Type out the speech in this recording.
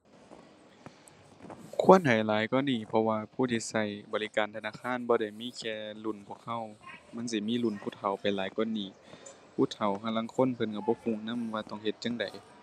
ควรให้หลายกว่านี้ เพราะว่าผู้ที่ใช้บริการธนาคารบ่ได้มีแค่รุ่นพวกใช้ มันสิมีรุ่นผู้เฒ่าไปหลายกว่านี้ ผู้เฒ่าห่าลางคนเพิ่นใช้บ่ใช้นำว่าต้องเฮ็ดจั่งใด